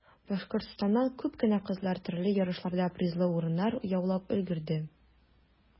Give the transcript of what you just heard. Башкортстаннан күп кенә кызлар төрле ярышларда призлы урыннар яулап өлгерде.